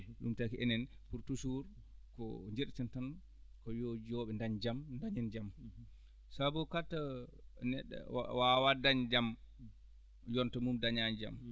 ɗum taki enen pour toujours ko njiɗaten tan ko ko yo ɓe daañ jam dañen jam sabu carte neɗɗo waawaa dañde jam yonto mum dañaani jam